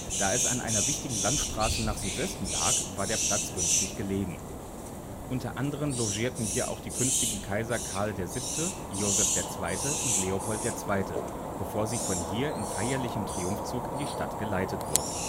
Da es an einer wichtigen Landstraße nach Südwesten lag, war der Platz günstig gelegen. Unter anderen logierten hier auch die künftigen Kaiser Karl VII., Joseph II. und Leopold II., bevor sie von hier in feierlichem Triumphzug in die Stadt geleitet wurden